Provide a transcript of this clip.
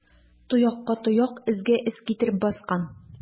Тоякка тояк, эзгә эз китереп баскан.